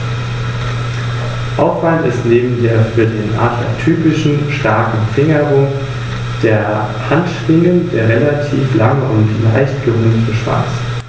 Zudem finden sich viele lateinische Lehnwörter in den germanischen und den slawischen Sprachen.